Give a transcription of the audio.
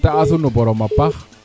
sant a sunu borom a paax